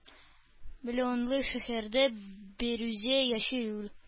Миллионлы шәһәрдә берүзе яши ул.